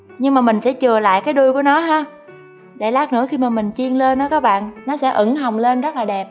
nhưng mà mình sẽ chừa lại cái đuôi của nó ha để lát nữa khi mà mình chiên lên á các bạn nó sẽ ửng hồng lên rất là đẹp